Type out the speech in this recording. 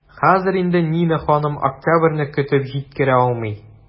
Хәзер инде Нина ханым октябрьне көтеп җиткерә алмый.